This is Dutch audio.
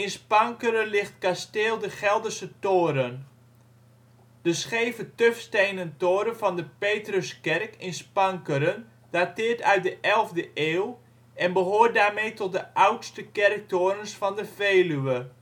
Spankeren ligt Kasteel De Gelderse Toren. De scheve tufstenen toren van de (Petrus) kerk in Spankeren dateert uit de elfde eeuw en behoort daarmee tot de oudste kerktorens van de Veluwe